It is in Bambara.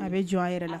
A bɛ jɔ a yɛrɛ la